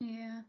Ia.